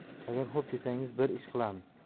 agar xo'p desangiz bir ish qilamiz